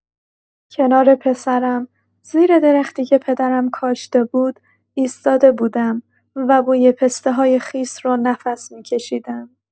کنار پسرم، زیر درختی که پدرم کاشته بود، ایستاده بودم و بوی پسته‌های خیس رو نفس می‌کشیدم.